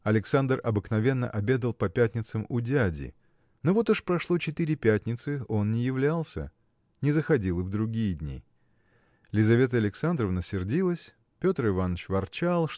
Александр обыкновенно обедал по пятницам у дяди. Но вот уж прошло четыре пятницы он не являлся не заходил и в другие дни. Лизавета Александровна сердилась Петр Иваныч ворчал